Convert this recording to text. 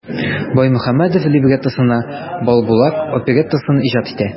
Баймөхәммәдев либреттосына "Балбулак" опереттасын иҗат итә.